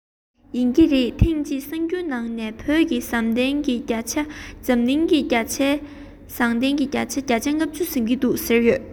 ཡིན གྱི རེད ཐེངས གཅིག གསར འགྱུར ནང དུ བོད དུ ཡོད པའི ཟངས གཏེར གྱིས འཛམ གླིང ཟངས གཏེར གྱི བརྒྱ ཆ ལྔ བཅུ ཟིན གྱི ཡོད ཟེར བཤད འདུག